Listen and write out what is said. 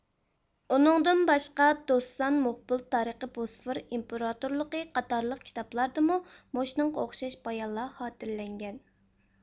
ئۇنىڭدىن باشقا دوسسان موڭغۇل تارىخى بوزقىر ئىمپېراتورلۇقى قاتارلىق كىتابلاردىمۇ مۇشۇنىڭغا ئوخشاش بايانلار خاتىرىلەنگەن